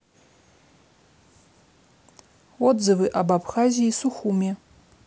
отзывы об абхазии сухуми